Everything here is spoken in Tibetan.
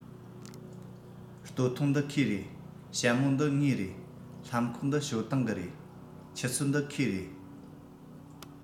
སྟོད ཐུང འདི ཁོའི རེད ཞྭ མོ འདི ངའི རེད ལྷམ གོག འདི ཞའོ ཏིང གི རེད ཆུ ཚོད འདི ཁོའི རེད